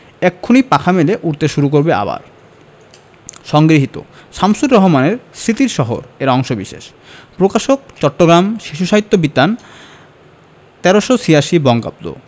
এক্ষুনি পাখা মেলে উড়তে শুরু করবে আবার সংগৃহীত শামসুর রাহমানের স্মৃতির শহর এর অংশবিশেষ প্রকাশকঃ চট্টগ্রাম শিশু সাহিত্য বিতান ১৩৮৬ বঙ্গাব্দ